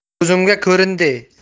ko'zimga ko'rinde